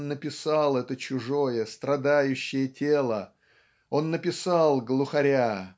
он написал это чужое страдающее тело он написал глухаря.